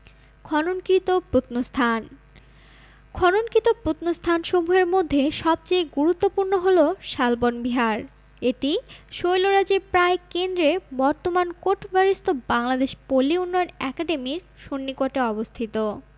খননকৃত প্রত্নস্থান খননকৃত প্রত্নস্থানসমূহের মধ্যে সবচেয়ে গুরুত্বপূর্ণ হলো শালবন বিহার এটি শৈলরাজির প্রায় কেন্দ্রে বর্তমান কোটবাড়িস্থ বাংলাদেশ পল্লী উন্নয়ন অ্যাকাডেমির সন্নিকটে অবস্থিত